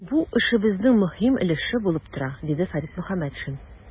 Бу эшебезнең мөһим өлеше булып тора, - диде Фәрит Мөхәммәтшин.